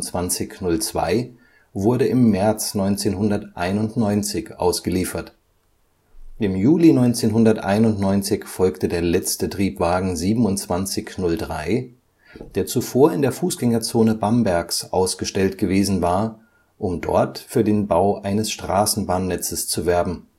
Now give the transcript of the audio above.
2702 wurde im März 1991 ausgeliefert. Im Juli 1991 folgte der letzte Triebwagen 2703, der zuvor in der Fußgängerzone Bambergs ausgestellt gewesen war, um dort für den Bau eines Straßenbahnnetzes zu werben